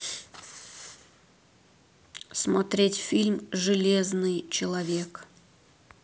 смотреть фильм железный человек